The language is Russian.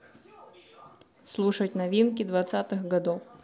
слушать новинки двадцатых годов